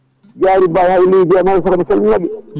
Diary Ba hayno Guiya naaɓe kono mbiɗo salninɓe